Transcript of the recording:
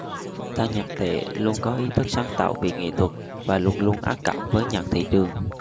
tăng nhật tuệ luôn có ý thức sáng tác vị nghệ thuật và luôn luôn ác cảm với nhạc thị trường